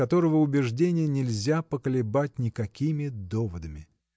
которого убеждения нельзя поколебать никакими доводами.